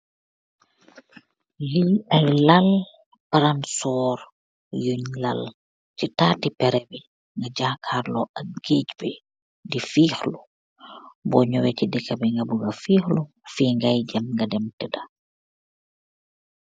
Liii iiy lal palansorr yungh lal chi taati pehreg bi, mu jaakarlor ak gehjj bii di fikhlu, bor njoweh chi dekah b nga buga fikhlu fi ngai jeum nga dem teda.